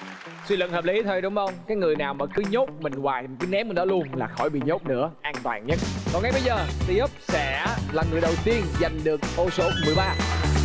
suy luận hợp lý thôi đúng hông cái người nào mà cứ nhốt mình hoài cứ ném mình ra luôn là khỏi bị nhốt nữa an toàn nhất và ngay bây giờ ti úp sẽ là người đầu tiên giành được vô số mười ba